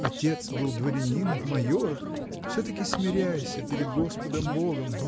отец был дворянин, майор, – все-таки смиряйся перед господом богом